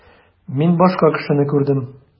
Мин башка кешене күрдем.